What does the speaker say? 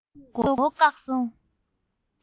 གཏོར ཟོར མགོ བོ བཀོག སོང